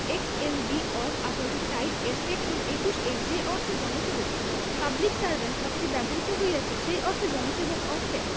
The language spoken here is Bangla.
এক্সএলভি অফ ১৮৬০ এর সেকশন ২১ এ যে অর্থে জনসেবক পাবলিক সার্ভেন্ট কথাটি ব্যবহৃত হইয়াছে সেই অর্থে জনসেবক অর্থে